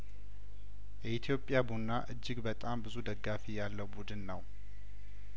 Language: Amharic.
የኢትዮጵያ ቡና እጅግ በጣም ብዙ ደጋፊ ያለው ቡድን ነው